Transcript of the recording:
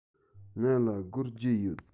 ང ལ སྒོར བརྒྱད ཡོད